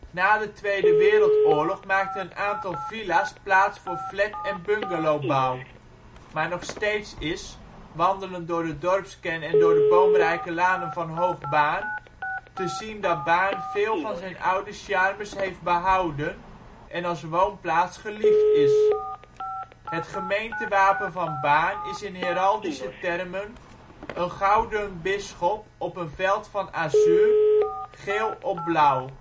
Na de Tweede Wereldoorlog maakte een aantal villa 's plaats voor flat - en bungalowbouw. Maar nog steeds is, wandelend door de dorpskern en door de boomrijke lanen van ' Hoog Baarn ' te zien dat Baarn veel van zijn oude charmes heeft behouden en als woonplaats geliefd is. Het gemeentewapen van Baarn is in heraldische termen: ' een gouden bisschop op een veld van azuur (geel op blauw